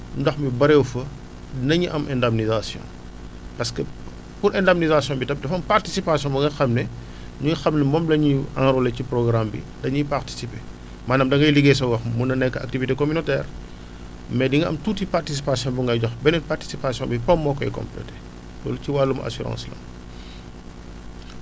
ndox mi bëre wu fa nañu am indemnisation parce que pour indemnisation bi tam dafa am participation ba nga xam ne ñi nga xam ne moom la ñuy enroler ci programme bi dañuy participer maanaam da ngay liggéey sa gox mën na nekk activité communautaire mais di nga am tuuti participation :frabu ngay joxe beneen participation bi PAM moo koy complété loolu ci wàllum assurance